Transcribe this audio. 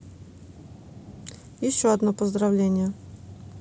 еще одно поздравление